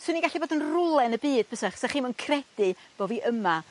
Swn i'n gallu bod yn rwle yn y byd bysach? 'Sych chi'm yn credu bo' fi yma.